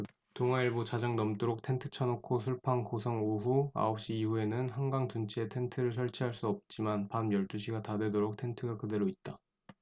동아일보 자정 넘도록 텐트 쳐놓고 술판 고성오후 아홉 시 이후에는 한강 둔치에 텐트를 설치할 수 없지만 밤 열 두 시가 다 되도록 텐트가 그대로 있다